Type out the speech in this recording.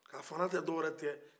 k'a fana tɛ dɔ wɛrɛ tɛ